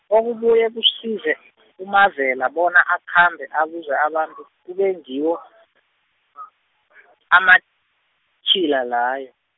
okubuye kusize, uMavela bona akhambe abuza abantu kube ngiwo , amatjhila layo.